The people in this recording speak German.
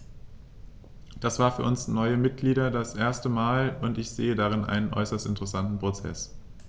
Das war für uns neue Mitglieder das erste Mal, und ich sehe darin einen äußerst interessanten Prozess.